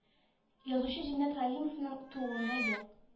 Язучы җиннәт галимовның тууына ел